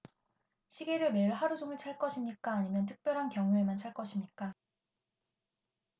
시계를 매일 하루 종일 찰 것입니까 아니면 특별한 경우에만 찰 것입니까